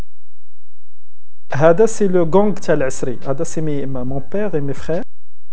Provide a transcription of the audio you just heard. هذا السلوك العصري